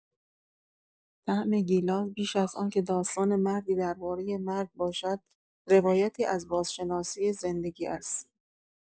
«طعم گیلاس» بیش از آنکه داستان مردی دربارۀ مرگ باشد، روایتی از بازشناسی زندگی است.